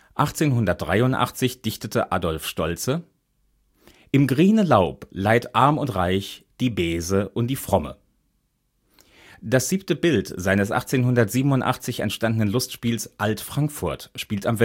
1883 dichtete Adolf Stoltze: " Im griene Laub leiht arm und reich, die Beese und die Fromme ". Das siebte Bild seines 1887 entstandenen Lustspiels Alt-Frankfurt spielt am